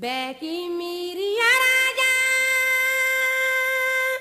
Bɛki miyaya la